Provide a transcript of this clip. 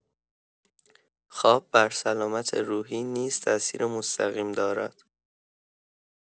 خواب بر سلامت روحی نیز تأثیر مستقیم دارد.